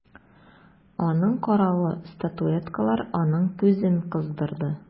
Аның каравы статуэткалар аның күзен кыздырды.